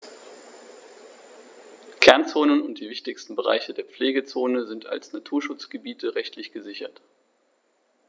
Kernzonen und die wichtigsten Bereiche der Pflegezone sind als Naturschutzgebiete rechtlich gesichert.